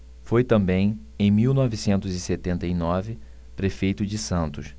foi também em mil novecentos e setenta e nove prefeito de santos